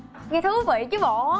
nghe thú vị chứ bộ